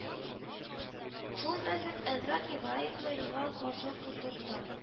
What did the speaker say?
Шул мәзәк әнвәр ибраевны миңа каршы котырта